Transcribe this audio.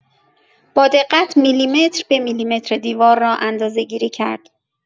با دقت میلی‌متر به میلی‌متر دیوار را اندازه‌گیری کرد.